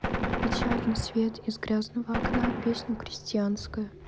печальный свет из грязного окна песню крестьянская